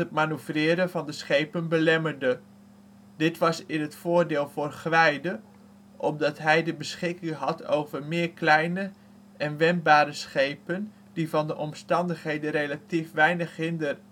manoeuvreren van de schepen belemmerde. Dit was een voordeel voor Gwijde, omdat hij de beschikking had over meer kleine en wendbare schepen, die van de omstandigheden relatief weinig hinder